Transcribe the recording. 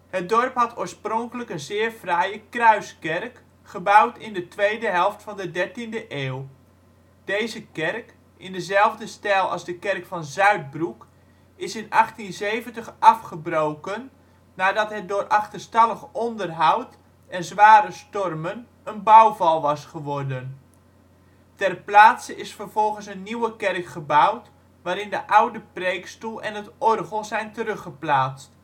Het dorp had oorspronkelijk een zeer fraaie kruiskerk, gebouwd in de tweede helft van de dertiende eeuw. Deze kerk, in dezelfde stijl als de kerk van Zuidbroek is in 1870 afgebroken, nadat het door achterstallig onderhoud en zware stormen een bouwval was geworden. Ter plaatse is vervolgens een nieuwe kerk gebouwd, waarin de oude preekstoel en het orgel zijn teruggeplaatst